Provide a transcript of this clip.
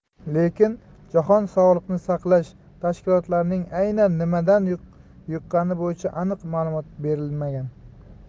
lekin jahon sog'liqni saqlash tashkilotining aynan nimadan yuqqani bo'yicha aniq ma'lumot berilmagan